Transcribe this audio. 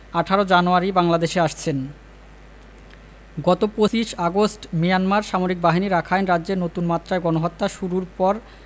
১৮ January বাংলাদেশে আসছেন গত ২৫ আগস্ট মিয়ানমার সামরিক বাহিনী রাখাইন রাজ্যে নতুন মাত্রায় গণহত্যা শুরুর পর